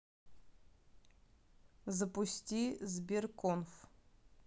запусти сберконф